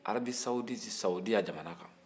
arabi sawuditi sawudiya jamana kan